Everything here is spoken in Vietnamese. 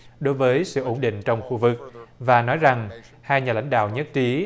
đối với sự ổn định trong khu vực và nói rằng hai nhà lãnh đạo nhất trí